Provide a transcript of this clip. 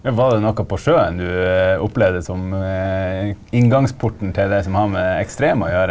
men var det noe på sjøen du opplevde som inngangsporten til det som har med ekstreme å gjøre?